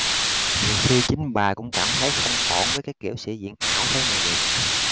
nhiều khi chính bà cũng cảm thấy không ổn với cái kiểu sĩ diện hão thế này được